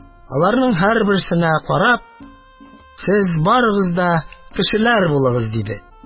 Аларның һәрберсенә карап: «Сез барыгыз да кешеләр булыгыз!» – диде.